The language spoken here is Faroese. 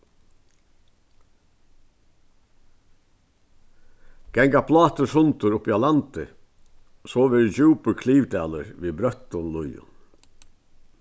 ganga plátur sundur uppi á landi so verður djúpur klyvdalur við brøttum líðum